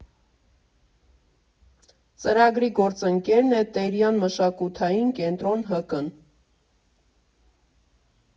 Ծրագրի գործընկերն է Տերյան մշակութային կենտրոն ՀԿ֊ն։